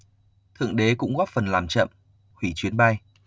thượng đế cũng góp phần làm chậm hủy chuyến bay